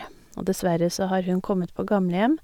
Og dessverre så har hun kommet på gamlehjem.